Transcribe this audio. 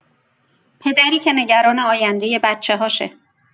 پدری که نگران آینده بچه‌هاشه